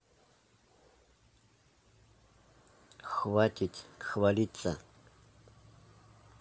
хватит хвалиться